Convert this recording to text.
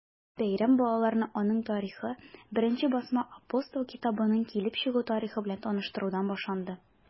Бәйрәм балаларны аның тарихы, беренче басма “Апостол” китабының килеп чыгу тарихы белән таныштырудан башланды.